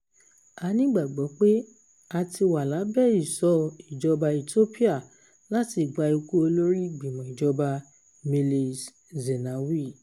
A ní ìgbàgbọ́ pé a ti wà lábẹ ìṣọ́ ìjọba Ethiopia láti ìgbà ikú Olórí Ìgbìmọ̀-ìjọba Meles Zenawi.